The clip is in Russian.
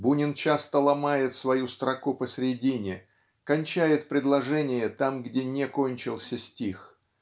Бунин часто ломает свою строку посредине кончает предложение там где не кончился стих